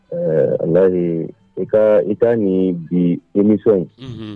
Ɛɛ ala i i ka ni bi i nisɔnsɔn in